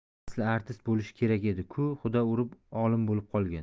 asli artist bo'lishi kerak edi ku xudo urib olim bo'lib qolgan